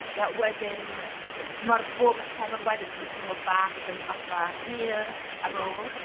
That wedyn yy d- mae'r bob pennod wedyn yn mynd i teimlo bach yn fatha "Ie" ar ôl.